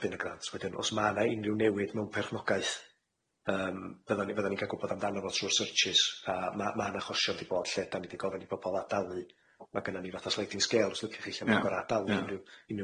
derbyn y grant wedyn os ma' 'na unryw newid mewn perchnogaeth yym fydda ni fyddan ni'n ca'l gwbod amdano fo trw syrtjis a ma' ma' 'na choshion 'di bod lle 'dan ni di gofyn i pobol ad-dalu ma' gynnon ni fatha slaiding sgêl 's liciwch chi lle ma' nw'n goro ad-dalu unryw